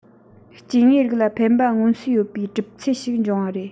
སྐྱེ དངོས རིགས ལ ཕན པ མངོན གསལ ཡོད པའི གྲུབ ཚུལ ཞིག འབྱུང བ རེད